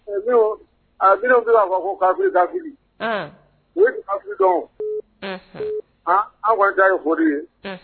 Minnu to k'a fɔ ko kaafiri , kaafiri, ann, olu tɛ kaafiri dɔn , anw kɔni ta ye foli ye.